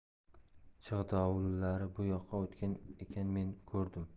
chig'dovullari bu yoqqa o'tgan ekan men ko'rdim